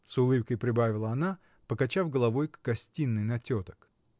— с улыбкой прибавила она, показав головой к гостиной на теток.